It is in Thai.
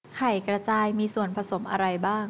ไข่กระจายมีส่วนผสมอะไรบ้าง